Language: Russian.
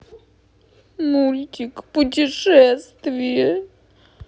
мультик путешествие